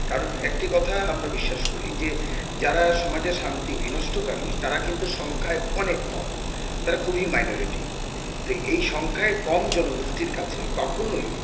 কারণ একটি কথা আমরা বিশ্বাস করি যে যারা সমাজে শান্তি বিনষ্টকারী তারা কিন্তু সমাজে সংখ্যায় অনেক কম তারা খুবই মাইনরিটি এই সংখ্যায় কম জনগোষ্ঠীর কাছে কখনোই